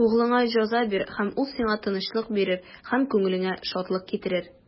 Углыңа җәза бир, һәм ул сиңа тынычлык бирер, һәм күңелеңә шатлык китерер.